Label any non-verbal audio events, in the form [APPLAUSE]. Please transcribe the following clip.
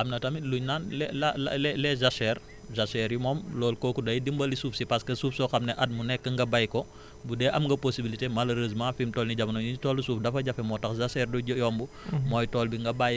am na tamit luñ naan les la lee les les jachères jachères yi moom loolu kooku day dimbali suuf si parce suuf soo xamne at mu nekk nga béy ko [BREATH] bu dee am nga possiblilité maleureusement fim toll nii jamono yiñ toll suuf dafa jafe moo tax jachère du yomb